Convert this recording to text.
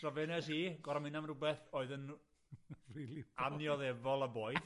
So be' nes i, gorod myn' am rwbeth oedd yn rili annioddefol o boeth.